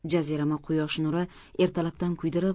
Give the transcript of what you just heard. jazirama quyosh nuri ertalabdan kuydirib